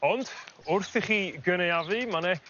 Ond wrth i chi gynaeafu ma' 'ne